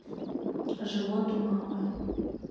живот у мамы